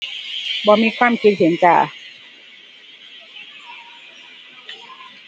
บ่มีความคิดเห็นจ้า